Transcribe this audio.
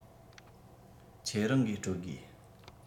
ཁྱེད རང གིས སྤྲོད དགོས